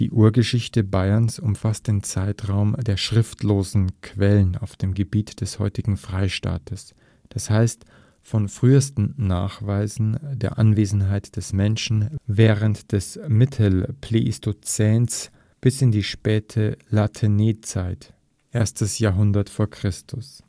Urgeschichte Bayerns umfasst den Zeitraum der schriftlosen Quellen auf dem Gebiet des heutigen Freistaates, das heißt von frühesten Nachweisen der Anwesenheit des Menschen während des Mittelpleistozäns bis in die späte Latènezeit (1. Jahrhundert v. Chr.